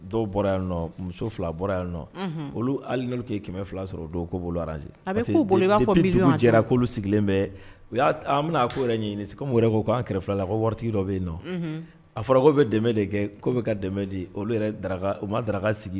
Dɔw bɔra yan nɔ muso fila bɔra yan nɔ olu ali' ye kɛmɛ fila sɔrɔ' bolo araz a bɛ jɛra'olu sigilen bɛ u y' bɛna ko yɛrɛ ɲini wɛrɛ ko k'an kɛlɛ fila la ko waritigi dɔ bɛ yen nɔ a fɔra ko bɛ dɛmɛ de kɛ' bɛ ka dɛmɛ di olu u ma daraka sigi